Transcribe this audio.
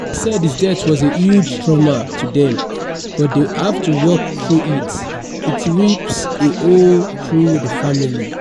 She said his death was a huge trauma to them, but they have to work through it: "It rips a hole through the family.